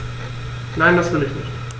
Nein, das will ich nicht.